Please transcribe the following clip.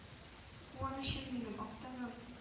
Куанычым минем, актыгым!